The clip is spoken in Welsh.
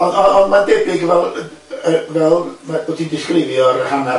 Ond on- on- ma'n debyg fel yy fel ma- wyt ti'n disgrifio'r hanner cylch yma o rwyd ynde?